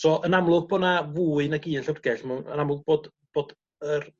So yn amlwg bo' 'na fwy nag un llyfrgell mw- yn amlwg bod bod yr